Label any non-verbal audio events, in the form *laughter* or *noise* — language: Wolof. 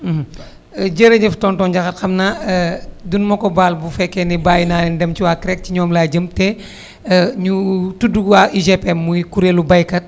*hesitation* *hesitation* *breath* *hesitation* jërëjëf tonton Ndiakhate xam naa *hesitation* duñu ma ko baal bu fekkee ni bàyyi naa leen dem ci waa CREC si ñoom laa jëm te *breath* *hesitation* ñu tudd waa UGPM muy kuréelu baykat